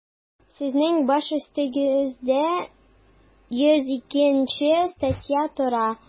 Сезнең баш өстегездә 102 нче статья тора.